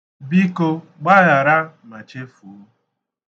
Biko gbaghara ma chefuo.